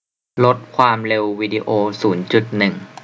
ลดความเร็ววีดีโอศูนย์จุดหนึ่ง